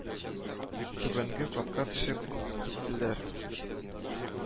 Түбәнге катка төшеп киттеләр